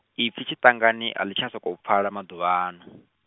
ipfi tshiṱangani a ḽi tsha sokou pfala maḓuvhani.